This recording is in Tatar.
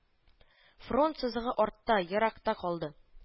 Фронт сызыгы артта, еракта калды